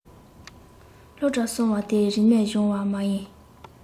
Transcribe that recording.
སློབ གྲྭར སོང བ དེ རིག གནས སྦྱོང བ མ ཡིན